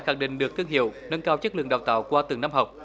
khẳng định được thương hiệu nâng cao chất lượng đào tạo qua từng năm học